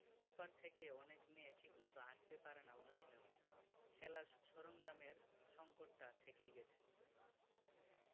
ও পার থেকে অনেক মেয়ে ঠিকমতো আসতে পারে না অনুশীলনে খেলার সরঞ্জামের সংকটটা থেকেই গেছে